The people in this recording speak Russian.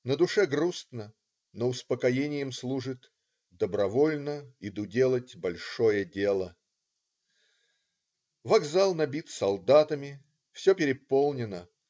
На душе грустно, но успокоением служит: добровольно иду делать большое дело. Вокзал набит солдатами. Все переполнено.